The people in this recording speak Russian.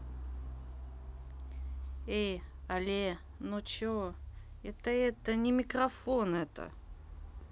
эй алле ну че это это не микрофон это